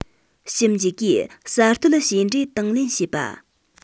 ཞིབ འཇུག གིས གསར གཏོད བྱས འབྲས དང ལེན བྱེད པ